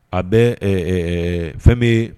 A bɛ fɛn bɛ yen